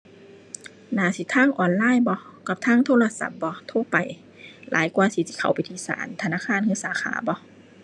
น่าสิทางออนไลน์บ่ กับทางโทรศัพท์บ่ โทรไป หลายกว่าที่สิเข้าไปที่สาน ธนาคารรึสาขาบ่